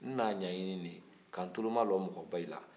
n b'a ɲɛɲini ka n tulomajɔ mɔgɔ bɛɛ la